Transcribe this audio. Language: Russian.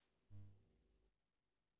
мяу мяу